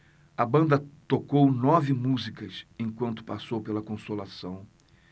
a banda tocou nove músicas enquanto passou pela consolação